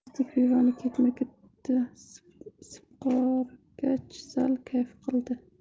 muzdek pivoni ketma ket sipqorgach sal kayf qildi